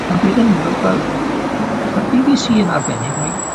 Ond weithie fi'n meddwl, wel ma'r Bee Bee See yn arbennig, mae